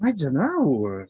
I dunno.